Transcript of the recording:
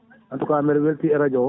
en tout beeɗe welti radio